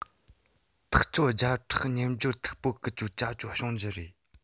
ཐག ཆོད བརྒྱ ཕྲག སྨྱན སྦྱོར མཐུག པོ ཀུ ཅོ ཅ ཅོ བྱུང རྒྱུ རེད